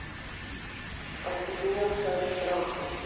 оцепеневшие от страха